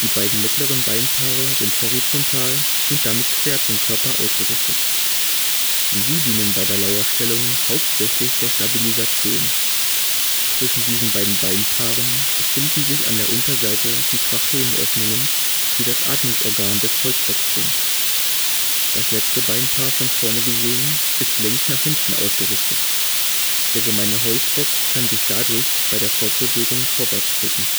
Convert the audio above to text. beiden mittleren Beinpaare sind horizontal und damit quer zum Körper ausgerichtet. Sie dienen bei der Lauerstellung hauptsächlich der Stabilisation. Zwischen diesen beiden Beinpaaren befinden sich an der Unterseite die Tracheenöffnungen, die das Atmungsorgan des Holzbocks sind. Das letzte Beinpaar, von vorne gesehen, ist längs nach hinten ausgerichtet. Der Gemeine Holzbock kann sich dadurch bei der Fortbewegung vorwärts drücken